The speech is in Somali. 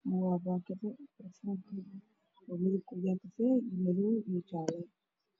waa baakado oo is ag yaalan oo midabkoodu yahay cafee madow jaale